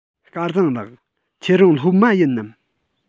སྐལ བཟང ལགས ཁྱེད རང སློབ མ ཡིན ནམ